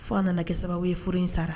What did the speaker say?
Fo nana kɛ sababu ye furu in sara